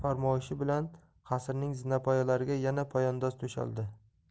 farmoyishi bilan qasrning zinapoyalariga yana poyandoz to'shaldi